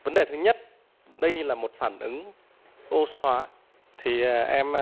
vấn đề thứ nhất đây là một phản ứng ô xi hóa thì em